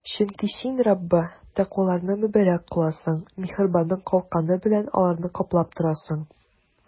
Чөнки Син, Раббы, тәкъваларны мөбарәк кыласың, миһербаның калканы белән аларны каплап торасың.